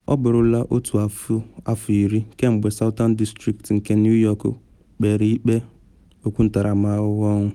Ọ bụrụla otu afọ iri kemgbe Southern District nke New York kpere ikpe okwu ntaramahụhụ ọnwụ.